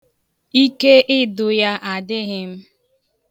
Ike idụ ya adịghị m.